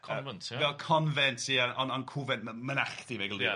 fel convent ie ond ond cwfent mynachdy mae'n gweld... Ie.